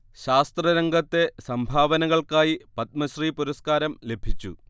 ശാസ്ത്ര രംഗത്തെ സംഭാവനകൾക്കായി പത്മശ്രീ പുരസ്കാരം ലഭിച്ചു